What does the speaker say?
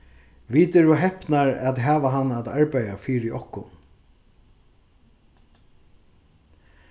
vit eru hepnar at hava hann at arbeiða fyri okkum